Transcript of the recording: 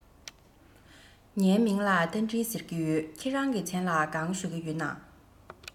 ངའི མིང ལ རྟ མགྲིན ཟེར གྱི ཡོད ཁྱེད རང གི མཚན ལ གང ཞུ གི ཡོད ན